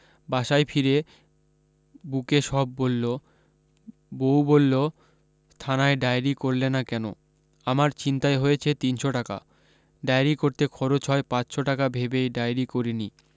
বাসায় ফিরে বুকে সব বললো বউ বললো থানায় ডাইরী করলে না কেন আমার ছিনতাই হয়েছে তিনশো টাকা ডাইরী করতে খরচ হয় পাঁচশো টাকা ভেবেই ডাইরী করিনি